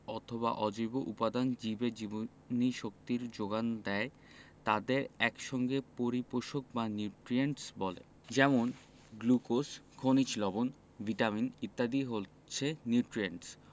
অথবা অজৈব উপাদান জীবের জীবনীশক্তির যোগান দেয় তাদের এক সঙ্গে পরিপোষক বা নিউট্রিয়েন্টস বলে যেমন গ্লুকোজ খনিজ লবন ভিটামিন ইত্যাদি হচ্ছে নিউট্রিয়েন্টস